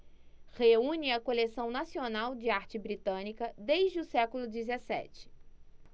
reúne a coleção nacional de arte britânica desde o século dezessete